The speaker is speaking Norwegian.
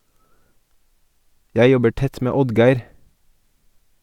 - Jeg jobber tett med Oddgeir.